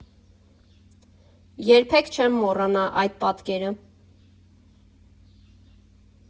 Երբեք չեմ մոռանա այդ պատկերը.